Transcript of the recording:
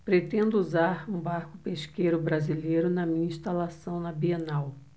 pretendo usar um barco pesqueiro brasileiro na minha instalação na bienal